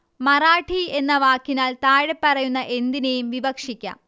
മറാഠി എന്ന വാക്കിനാൽ താഴെപ്പറയുന്ന എന്തിനേയും വിവക്ഷിക്കാം